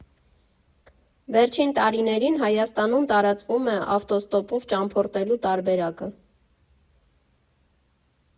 Վերջին տարիներին Հայաստանում տարածվում է ավտոստոպով ճամփորդելու տարբերակը։